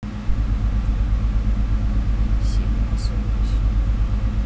сильно поссорились